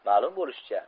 malum bolishicha